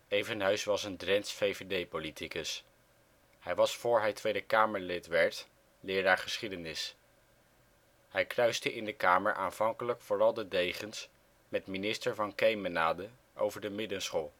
Evenhuis was een Drents VVD-politicus. Hij was voor hij Tweede Kamerlid werd leraar geschiedenis. Hij kruiste in de Kamer aanvankelijk vooral de degens met minister Van Kemenade over de middenschool